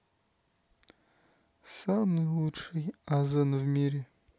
самый лучший азан в мире